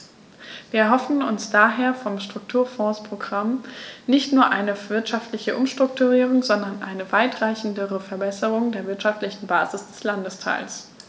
Wir erhoffen uns daher vom Strukturfondsprogramm nicht nur eine wirtschaftliche Umstrukturierung, sondern eine weitreichendere Verbesserung der wirtschaftlichen Basis des Landesteils.